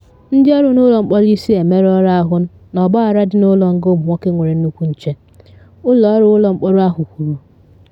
Ndị ọrụ n’ụlọ mkpọrọ isii emerụọla ahụ n’ọgbaghara dị n’ụlọ nga ụmụ nwoke nwere nnukwu nche, Ụlọ Orụ Ụlọ Mkpọrọ ahụ kwuru.